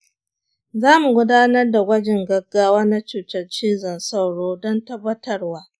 zamu gudanar da gwajin gaggawa na cutar cizon sauro don tabbatarwa.